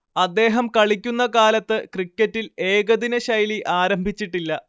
അദ്ദേഹം കളിക്കുന്ന കാലത്ത് ക്രിക്കറ്റിൽ ഏകദിനശൈലി ആരംഭിച്ചിട്ടില്ല